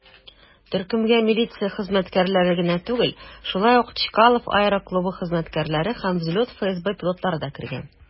Төркемгә милиция хезмәткәрләре генә түгел, шулай ук Чкалов аэроклубы хезмәткәрләре һәм "Взлет" ФСБ пилотлары да кергән.